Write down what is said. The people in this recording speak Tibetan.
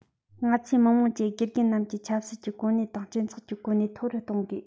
ང ཚོས མི དམངས ཀྱི དགེ རྒན རྣམས ཀྱི ཆབ སྲིད ཀྱི གོ གནས དང སྤྱི ཚོགས ཀྱི གོ གནས མཐོ རུ གཏོང དགོས